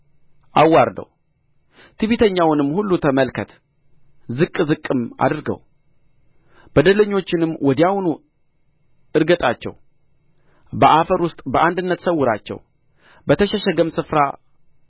አዋርደው ትዕቢተኛውንም ሁሉ ተመልከት ዝቅ ዝቅም አድርገው በደለኞችንም ወዲያውኑ እርገጣቸው በአፈር ውስጥ በአንድነት ሰውራቸው በተሸሸገም ስፍራ